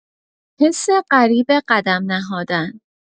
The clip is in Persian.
حس غریب قدم نهادن